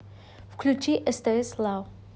включи стс лав